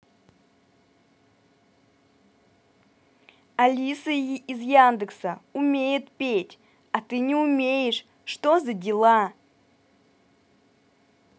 алиса из яндекса умеет петь а ты не умеешь что за дела